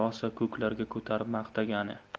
rosa ko'klarga ko'tarib maqtagani